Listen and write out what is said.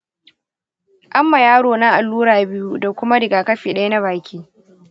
an ma yaro na allura biyu da kuma rigakafi ɗaya na baki.